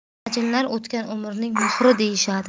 ajinlar o'tgan umrning muhri deyishadi